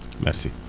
merci